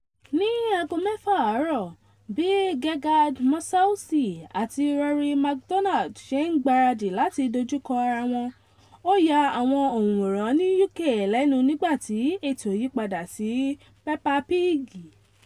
Ní 6am, bí Gegard Mousasi àti Rory MacDonald ṣe ń gbaradì láti dojúkọ ara wọn, ó ya àwọn òǹwòran ní UK lẹ́nu nígbàtí ètò yípadà sí Peppa Pig.